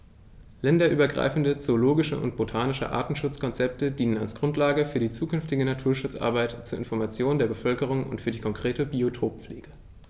Länderübergreifende zoologische und botanische Artenschutzkonzepte dienen als Grundlage für die zukünftige Naturschutzarbeit, zur Information der Bevölkerung und für die konkrete Biotoppflege.